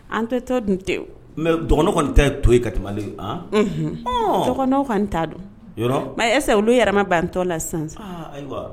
An tɛ to tɛ mɛ dɔgɔn kɔni tɛ to ka kɔni ta don ɛsa olu yɛrɛma banantɔ la sisan